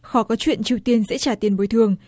khó có chuyện triều tiên sẽ trả tiền bồi thường